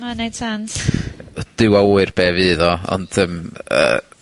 Ma'n neud sense. Dyw a ŵyr be fudd o, ond, yym, yy